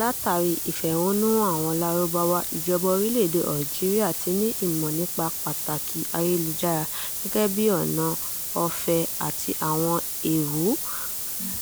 Látàrí ìfẹ̀hónú hàn àwọn Lárúbáwá, ìjọba orílẹ̀-èdè Algeria ti ní ìmọ̀ nípa pàtàkì ayélujára gẹ́gẹ́ bíi ọ̀nà ọ̀fẹ́ àti àwọn ewú